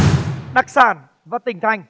đặc sản và tỉnh thành